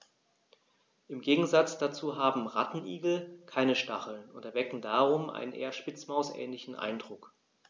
Im Gegensatz dazu haben Rattenigel keine Stacheln und erwecken darum einen eher Spitzmaus-ähnlichen Eindruck.